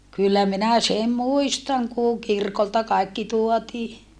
kyllä minä sen muistan kun kirkolta kaikki tuotiin